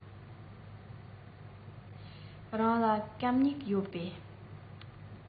རང ལ སྐམ སྨྱུག ཡོད པས